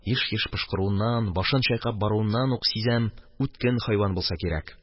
Еш-еш пошкыруыннан, башын чайкап баруыннан ук сизәм – үткен хайван булса кирәк